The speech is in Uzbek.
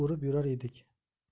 o'rib yurar edik